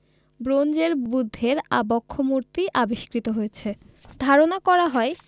ব্রোঞ্জের বুদ্ধের আবক্ষমূর্তি আবিষ্কৃত হয়েছে ধারণা করা হয়